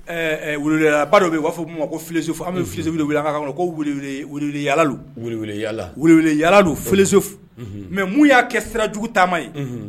La ba dɔw u bɛ b'a fɔ olu' ma ko fililesufu bɛ filisuw wuli ka kolu yaalalu fsufu mɛ mun y'a kɛ sira jugu taama ye